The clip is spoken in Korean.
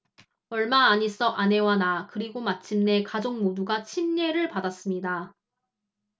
얼마 안 있어 아내와 나 그리고 마침내 가족 모두가 침례를 받았습니다